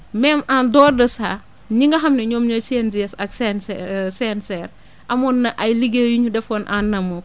même en dehors de ça ñi nga xam ne ñoom ñooy CNJS ak CN CNCR amoon na ay liggéey yu ñu defoon en amont